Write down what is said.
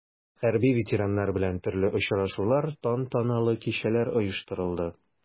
Хәрби ветераннар белән төрле очрашулар, тантаналы кичәләр оештырылды.